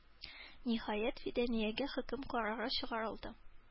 Ниһаять, Фиданиягә хөкем карары чыгарылды.